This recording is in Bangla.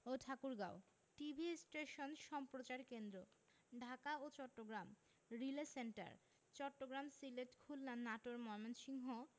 ও ঠাকুরগাঁও টিভি স্টেশন সম্প্রচার কেন্দ্রঃ ঢাকা ও চট্টগ্রাম রিলে সেন্টার চট্টগ্রাম সিলেট খুলনা নাটোর ময়মনসিংহ